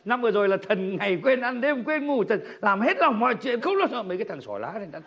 năm vừa rồi là thần ngày quên ăn đêm quên ngủ làm hết lòng mọi chuyện không lo sợ mấy cái thằng xỏ lá này đã